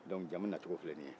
jamu nacogo filɛ nin ye